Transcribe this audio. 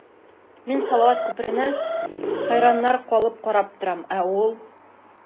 Мин салават күперенә хәйраннар калып карап торам, ә ул...